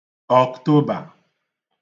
Ọ̀ktobà